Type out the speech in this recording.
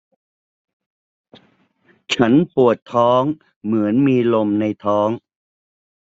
ฉันปวดท้องเหมือนมีลมในท้อง